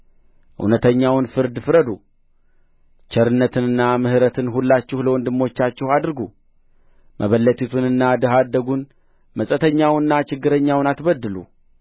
እውነተኛውን ፍርድ ፍረዱ ቸርነትንና ምሕረትን ሁላችሁ ለወንድሞቻችሁ አድርጉ መበለቲቱንና ድሀ አደጉን መጻተኛውንና ችግረኛውን አትበድሉ